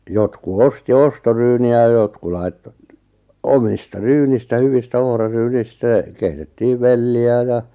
jotkut osti ostoryyniä ja jotkut laittoi omista ryynistä hyvistä ohraryynistä keitettiin velliä ja